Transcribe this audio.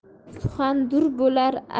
suxan dur bo'lar